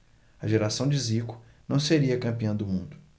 a geração de zico não seria campeã do mundo